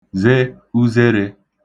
ze uzerē